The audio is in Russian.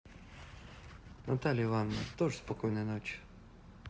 наталья иванова тоже спокойной ночи